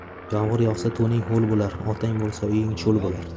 yomg'ir yog'sa to'ning ho'l bo'lar otang o'lsa uying cho'l bo'lar